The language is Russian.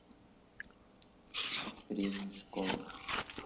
стихотворение школа